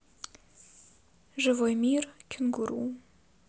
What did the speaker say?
живой мир кенгуру